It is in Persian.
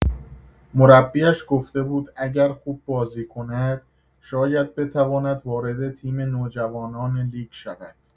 مربی‌اش گفته بود اگر خوب بازی کند شاید بتواند وارد تیم نوجوانان لیگ شود.